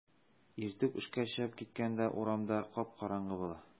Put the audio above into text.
Иртүк эшкә чыгып киткәндә урамда кап-караңгы була.